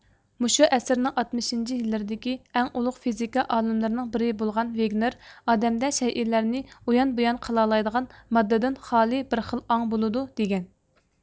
مۇشۇ ئەسىرنىڭ ئاتمىشىنچى يىللىرىدىكى ئەڭ ئۇلۇغ فىزىكا ئالىملىرىنىڭ بىرى بولغان ۋىگنېر ئادەمدە شەيئىلەرنى ئۇيان بۇيان قىلالايدىغان ماددىدىن خالى بىر خىل ئاڭ بولىدۇ دىگەن